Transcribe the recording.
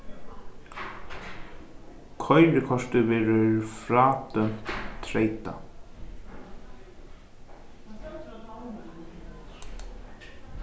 koyrikortið verður frádømt treytað